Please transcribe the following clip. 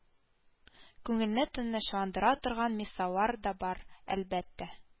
Күңелне тынычландыра торган мисаллар да бар, әлбәттә